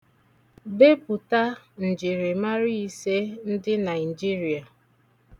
Depụta njirimara ise ndị naijiria.